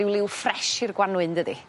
ryw liw ffres i'r Gwanwyn dydi?